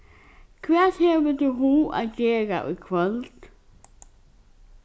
hvat hevur tú hug at gera í kvøld